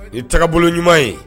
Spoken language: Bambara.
I tagabolo ɲuman ye